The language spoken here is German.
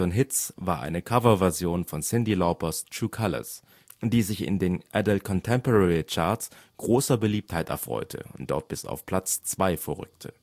Hits war eine Coverversion von Cyndi Laupers True Colours, die sich in den AC-Charts großer Beliebtheit erfreute und dort bis auf Platz 2 vorrückte